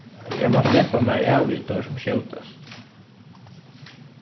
eg má sleppa mær av við teir sum skjótast